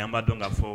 Yan''a dɔn ka fɔ